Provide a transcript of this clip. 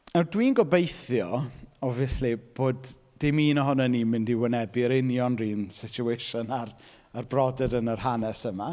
Nawr dwi'n gobeithio, obviously, bod dim un ohonyn ni mynd i wynebu yr union yr un situation â'r â'r brodyr yn yr hanes yma.